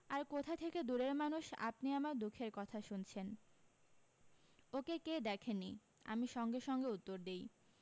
আর কোথা থেকে দূরের মানুষ আপনি আমার দুখের কথা শুনছেন ওকে কে দেখেনি আমি সঙ্গে সঙ্গে উত্তর দিই